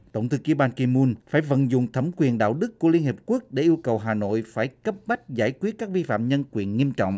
tổng thư ký ban kim mun phải vận dụng thẩm quyền đạo đức của liên hiệp quốc để yêu cầu hà nội phải cấp bách giải quyết các vi phạm nhân quyền nghiêm trọng